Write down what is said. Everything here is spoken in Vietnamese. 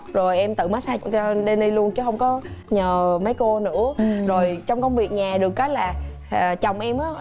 rồi em tự mát xa cho đây li luôn chứ hông có nhờ mấy cô nữa rồi trong công việc nhà được cái là chồng em